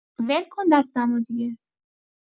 ول‌کن دستمو دیگه